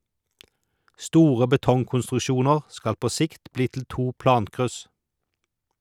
Store betongkonstruksjoner skal på sikt bli til to plankryss.